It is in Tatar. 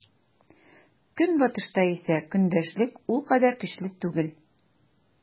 Көнбатышта исә көндәшлек ул кадәр көчле түгел.